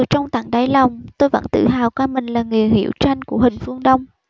trong tận đáy lòng tôi vẫn tự hào coi mình là người hiểu tranh của huỳnh phương đông